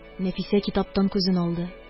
Нәфисә китаптан күзен алды.